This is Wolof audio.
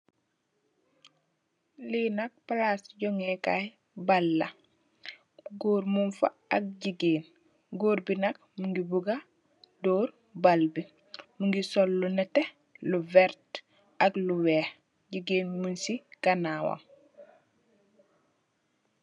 Li nak palasi jongéé kay bal la, gór mug fa ak jigeen. Gór bi nak mugii bugga dor bal bi mugii sol lu netteh lu werta ak lu wèèx . Jigeen mug ci ganaw wam.